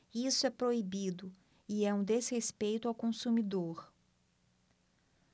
isso é proibido e é um desrespeito ao consumidor